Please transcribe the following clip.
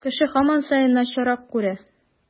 Кеше һаман саен начаррак күрә.